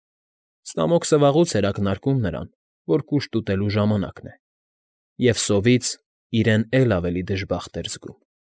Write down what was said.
Ստամոքսը վաղուց էր ակնարկում նրան, որ կուշտ ուտելու ժամանակն է, և սովից իրեն էլ ավելի դժբախտ էր զգում։